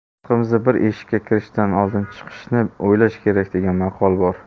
xalqimizda bir eshikka kirishdan oldin chiqishni o'ylash kerak degan maqol bor